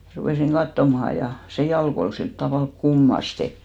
rupesin katsomaan ja se jalka oli sillä tavalla kummasti